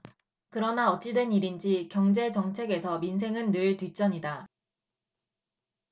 그러나 어찌된 일인지 경제정책에서 민생은 늘 뒷전이다